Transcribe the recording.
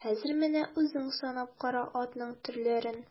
Хәзер менә үзең санап кара атның төрләрен.